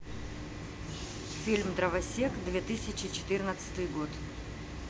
фильм дровосек две тысячи четырнадцатый год